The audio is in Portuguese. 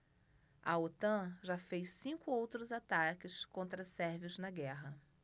a otan já fez cinco outros ataques contra sérvios na guerra